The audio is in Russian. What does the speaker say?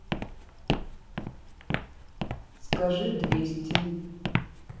скажи двести